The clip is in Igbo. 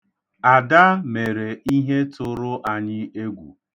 Ada mere ihe tụrụ anyị egwu.